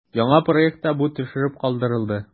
Яңа проектта бу төшереп калдырылды.